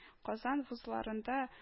Казан вузларында